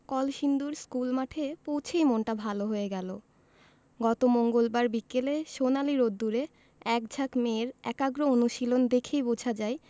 কলসিন্দুর স্কুলমাঠে পৌঁছেই মনটা ভালো হয়ে গেল গত মঙ্গলবার বিকেলে সোনালি রোদ্দুরে একঝাঁক মেয়ের একাগ্র অনুশীলন দেখেই বোঝা যায়